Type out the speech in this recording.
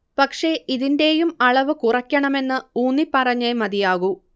പക്ഷെ ഇതിന്റെയും അളവ് കുറക്കണമെന്ന് ഊന്നി പറഞ്ഞേ മതിയാകൂ